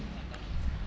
ah d' accord